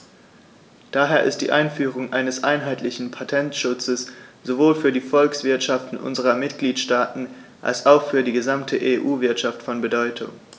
Daher ist die Einführung eines einheitlichen Patentschutzes sowohl für die Volkswirtschaften unserer Mitgliedstaaten als auch für die gesamte EU-Wirtschaft von Bedeutung.